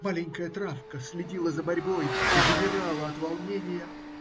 Маленькая травка следила за борьбой и замирала от волнения.